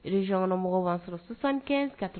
Région kɔnɔmɔgɔw b'an sɔrɔ 75 80